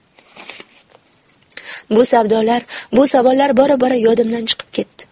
bu savdolar bu savollar bora bora yodimdan chiqib ketdi